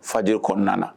Fajɛ kɔnɔna